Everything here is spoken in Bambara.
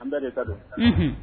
An bɛɛ de ta don